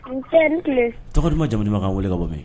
Nse i ni tile; Tɔgɔ duman, jamu duman ka an wele ka bɔ min?